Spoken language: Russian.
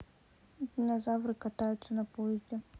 динозавры катаются на поезде